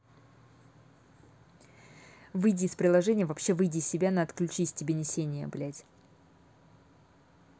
выйди из приложения вообще выйди из себя на отключись тебе несения блядь